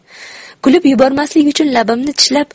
kulib yubormaslik uchun labimni tishlab